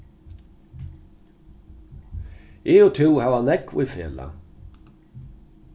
eg og tú hava nógv í felag